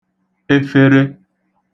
efere